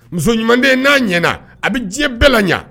Muso ɲuman n'a ɲɲɛna a bɛ diɲɛ bɛɛ la ɲɛ